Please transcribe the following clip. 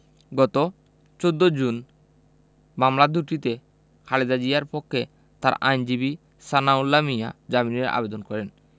গত ১৪ জুন মামলা দুটিতে খালেদা জিয়ার পক্ষে তার আইনজীবী সানাউল্লাহ মিয়া জামিনের আবেদন করেন